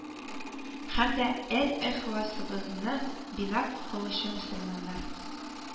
Һәм дә Әл-Ихласыбызны бина кылучы мөселманнар